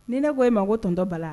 Ni ne ko e ma ko tɔntɔ bala